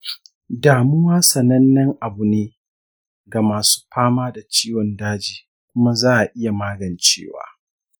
damuwa sanannen abu ne ga masu fama da ciwon daji kuma za'a iya magancewa.